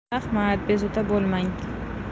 rahmat bezovta bo'lmang